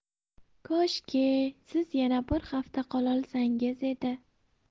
koshki siz yana bir hafta qolaolsangiz edi